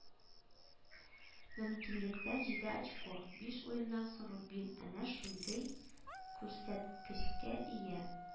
Мөмкинлектән – җиде очко: биш уеннан соң “рубин” әнә шундый күрсәткечкә ия